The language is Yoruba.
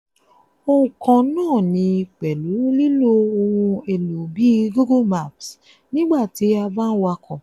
Ohun kan náà ni pẹ̀lú lílo ohun èlò bíi Google Maps nígbà tí a bá ń wakọ̀.